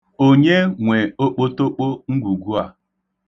Onye nwe okpotokpo ngwugwu a?